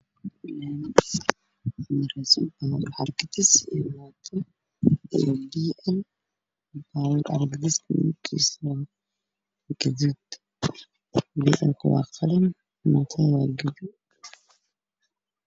Waa lami gaari weyn ayaa maraayo guduud ah